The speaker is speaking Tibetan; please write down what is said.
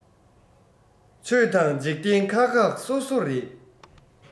ཆོས དང འཇིག རྟེན ཁག ཁག སོ སོ རེད